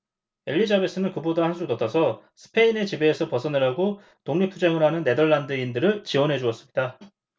엘리자베스는 그보다 한술 더 떠서 스페인의 지배에서 벗어나려고 독립 투쟁을 하는 네덜란드인들을 지원해 주었습니다